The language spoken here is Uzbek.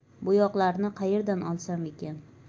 bo'yoqlarni qayerdan olsam ekan